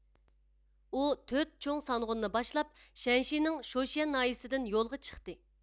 ئۇ تۆت چوڭ سانغۇننى باشلاپ شەنشىنىڭ شوشيەن ناھىيىسىدىن يولغا چىقتى